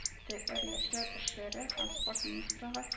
Тээр яшьләр эшләре һәм спорт министрыгы